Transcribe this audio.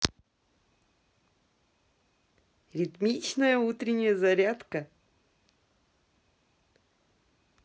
ритмичная утренняя зарядка